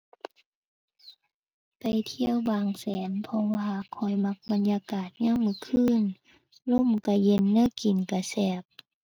ไปเที่ยวบางแสน เพราะว่าข้อยมักบรรยากาศยามมื้อคืน ลมก็เย็น แนวกินก็แซ่บ